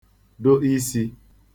dụ isī